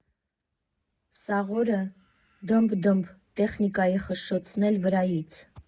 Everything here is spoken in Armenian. Սաղ օրը դըմբ֊դըմբ, տեխնիկայի խշշոցն էլ վրայից…